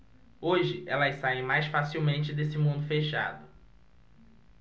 hoje elas saem mais facilmente desse mundo fechado